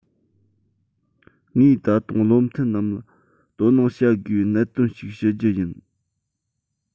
ངས ད དུང བློ མཐུན རྣམས ལ དོ སྣང བྱ དགོས པའི གནད དོན ཞིག ཞུ རྒྱུ ཡིན